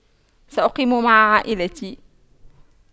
سأقيم مع عائلتي